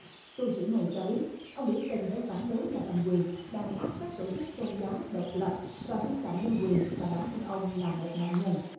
tu sĩ này cho biết ông biểu tình để phản đối nhà cầm quyền đàn áp các tổ chức tôn giáo độc lập và vi phạm nhân quyền mà bản thân ông là một nạn nhân